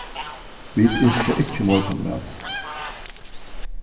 vit ynskja ikki morgunmat